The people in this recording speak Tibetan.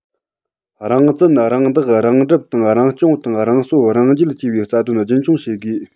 རང བཙན རང བདག རང སྒྲུབ དང རང སྐྱོང དང རང གསོ རང བརྒྱུད ཅེས པའི རྩ དོན རྒྱུན འཁྱོངས བྱེད དགོས